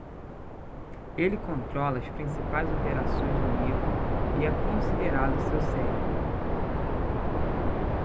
ele controla as principais operações do micro e é considerado seu cérebro